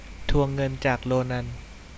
ทวงเงินจากโรนัน